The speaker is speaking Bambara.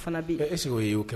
Fana be yen. est ce que e yo kɛ ?